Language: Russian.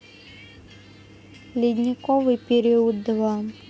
ледниковый период первая часть